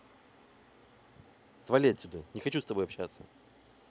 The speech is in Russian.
свали отсюда не хочу с тобой общаться